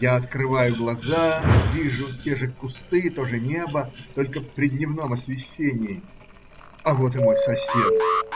Я открываю глаза, вижу те же кусты, то же небо, только при дневном освещении. А вот и мой сосед.